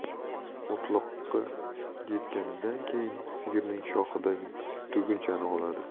o'tloqqa yetganidan keyin sigirning shoxidagi tugunchani oladi